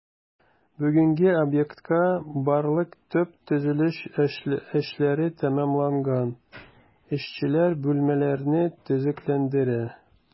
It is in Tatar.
Бүгенгә объектта барлык төп төзелеш эшләре тәмамланган, эшчеләр бүлмәләрне төзекләндерә.